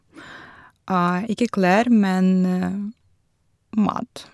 Ikke klær, men mat.